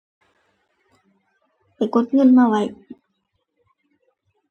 ไปกดเงินมาไว้